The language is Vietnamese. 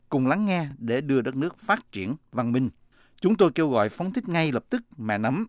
cùng lắng nghe để đưa đất nước phát triển văn minh chúng tôi kêu gọi phóng thích ngay lập tức mẹ nắm